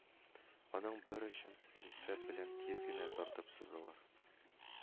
Аның бер очын пинцет белән тиз генә тартып сузалар